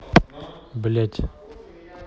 блять